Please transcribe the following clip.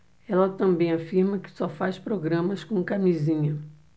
ela também afirma que só faz programas com camisinha